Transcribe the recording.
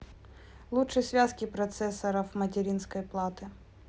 лучшие связки процессоров материнской платы